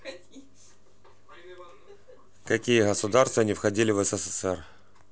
какие государства не входили в ссср